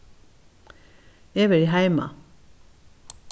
eg verði heima